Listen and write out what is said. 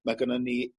ma' gynnon ni